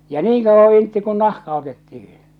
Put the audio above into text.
ja niin kauan intti kun nahka otettiin